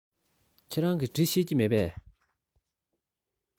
ཁྱེད རང གིས འབྲི ཤེས ཀྱི མེད པས